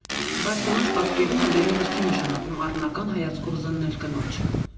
Բայց կնոջ պատկերումը դեռևս չի նշանակում առնական հայացքով զննել կնոջը։